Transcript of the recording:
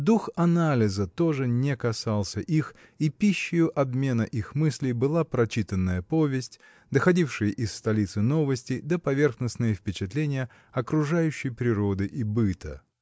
Дух анализа тоже не касался их, и пищею обмена их мыслей была прочитанная повесть, доходившие из столицы новости да поверхностные впечатления окружающей природы и быта.